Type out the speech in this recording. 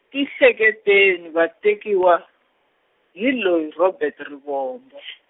tiehleketeni va tekiwa, hi loyi Robert Rivombo.